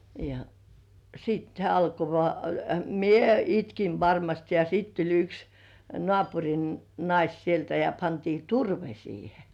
ja sitten hän alkoi vain minä itkin varmasti ja sitten tuli yksi naapurin nainen sieltä ja pantiin turve siihen